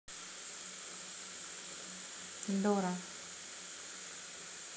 дора